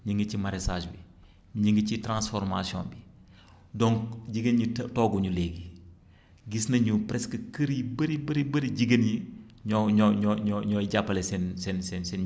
ñi ngi ci maraichage bi ñi ngi ci transformation bi donc jigéen ñi tooguñu léegi gis nañu presque kër yu bëri bëri bëri jigéen ñi ñoo ñoo ñoo ñoo ñooy jàppale seen seen seen seen